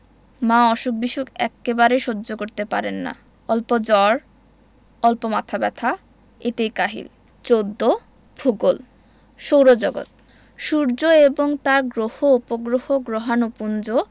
মা অসুখবিসুখ এক্কেবারে সহ্য করতে পারেন না অল্প জ্বর অল্প মাথা ব্যাথা এতেই কাহিল ১৪ ভূগোল সৌরজগৎ সূর্য এবং তার গ্রহ উপগ্রহ গ্রহাণুপুঞ্জ